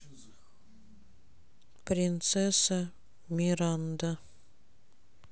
принцесса миранда